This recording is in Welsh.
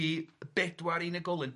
...i bedwar unigolyn.